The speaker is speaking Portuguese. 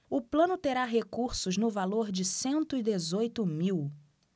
o plano terá recursos no valor de cento e dezoito mil